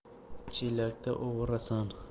chelakda oborasan